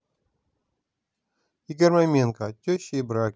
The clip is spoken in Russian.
игорь маменко о теще и браке